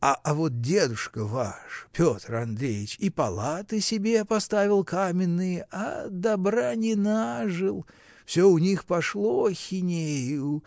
А вот дедушка ваш, Петр Андреич, и палаты себе поставил каменные, а добра не нажил все у них пошло хинею